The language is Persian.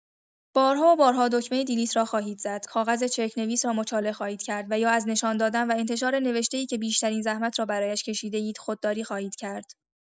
بارها و بارها دکمۀ دیلیت را خواهید زد، کاغذ چرک‌نویس را مچاله خواهید کرد و یا از نشان‌دادن و انتشار نوشته‌ای که بیشترین زحمت را برایش کشیده‌اید خودداری خواهید کرد؛